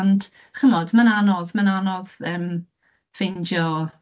Ond chimod, mae'n anodd, mae'n anodd, yym, ffeindio...